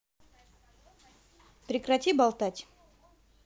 прекрати болтать